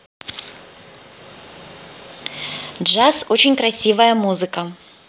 джаз очень красивая музыка